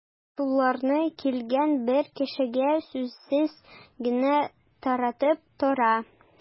Шуларны килгән бер кешегә сүзсез генә таратып тора.